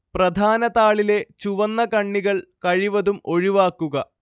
പ്രധാനതാളിലെ ചുവന്നകണ്ണികൾ കഴിവതും ഒഴിവാക്കുക